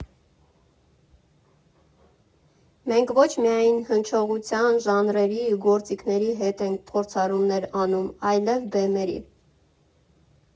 Մենք ոչ միայն հնչողության, ժանրերի ու գործիքների հետ ենք փորձարկումներ անում, այլև բեմերի։